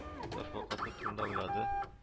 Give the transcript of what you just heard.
Ташбакасы турында уйлады